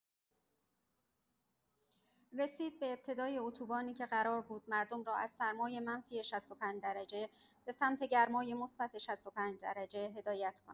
رسید به ابتدای اتوبانی که قرار بود مردم را از سرمای منفی ۶۵ درجه به‌سمت گرمای مثبت ۶۵ درجه هدایت کند؛